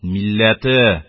Милләте,